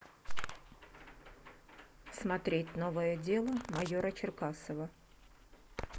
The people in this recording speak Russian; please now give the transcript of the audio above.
смотреть новое дело майора черкасова